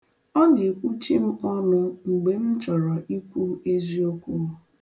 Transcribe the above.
Ọ na-ekwuchi m ọnụ mgbe m chọrọ ikwu eziokwu.